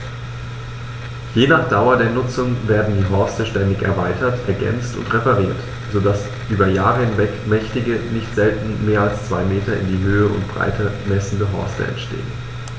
Je nach Dauer der Nutzung werden die Horste ständig erweitert, ergänzt und repariert, so dass über Jahre hinweg mächtige, nicht selten mehr als zwei Meter in Höhe und Breite messende Horste entstehen.